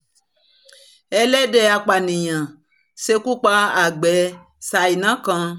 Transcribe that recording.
Ẹlẹ́dẹ̀ Apànìyàn Ṣekú pa Àgbẹ̀ Ṣáína kan.